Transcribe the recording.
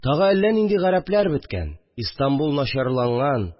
Тагы әллә нинди гарәпләр беткән, Истанбул начарланган